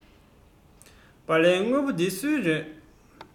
སྦ ལན སྔོན པོ འདི སུའི རེད